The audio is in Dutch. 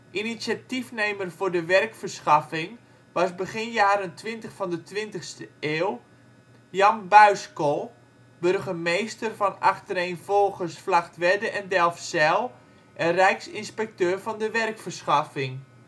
Initiatiefnemer voor de werkverschaffing was begin jaren twintig van de 20e eeuw Jan Buiskool (burgemeester van achtereenvolgens Vlagtwedde en Delfzijl en rijksinspecteur van de werkverschaffing